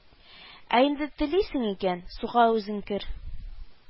Ә инде телисен икән, суга үзең кер